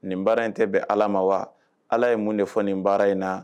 Nin baara in tɛ bɛn Ala ma wa? Ala ye mun de fɔ nin baara in na?